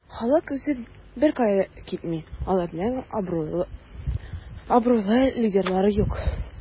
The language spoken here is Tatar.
Халык үзе беркая китми, аларның абруйлы лидерлары юк.